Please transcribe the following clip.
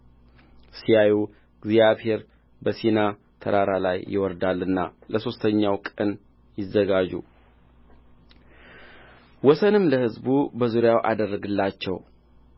ሲያዩ እግዚአብሔር በሲና ተራራ ላይ ይወርዳልና ለሦስተኛው ቀን ይዘጋጁ ወሰንም ለሕዝቡ በዙሪያው አድርግላቸው